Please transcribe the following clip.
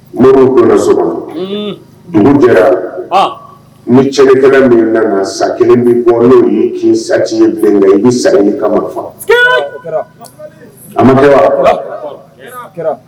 Moriw donna so kɔnɔ uuun dugu jɛra ɔɔ ni cɛkɛ kɛla min na sa 1 ni kɔ ne b'i ye k'i saturer nin fɛn kan i be san 1 k'a ma fa skeeyi o kɛra a ma kɛ wa a kɛra